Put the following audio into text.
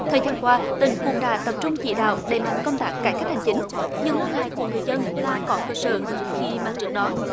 thời gian qua tỉnh cũng đã tập trung chỉ đạo đẩy mạnh công tác cải cách hành chính những lo ngại của người dân là có cơ sở khi mà trước đó